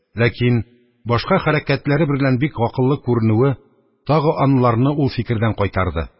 Ләкин башка хәрәкәтләре берлән бик гакыллы күренүе тагы анларны ул фикердән кайтарды.